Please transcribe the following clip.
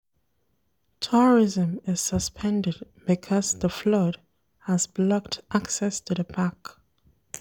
Tourism is suspended because the flood has blocked access to the park.